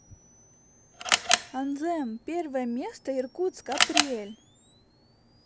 anthem первое место иркутск апрель